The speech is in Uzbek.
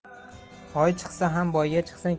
oy chiqsa ham boyga chiqsin